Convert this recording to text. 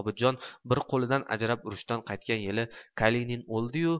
obidjon bir qo'lidan ajrab urushdan qaytgan yili kalinin o'ldi yu